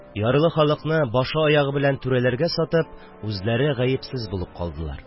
Ярлы халыкны башы-аягы белән түрәләргә сатып, үзләре гаепсез булып калдылар.